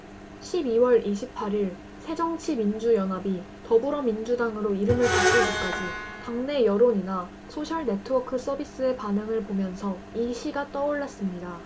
십 이 월 이십 팔 일 새정치민주연합이 더불어민주당으로 이름을 바꾸기까지 당내 여론이나 소셜네트워크서비스의 반응을 보면서 이 시가 떠올랐습니다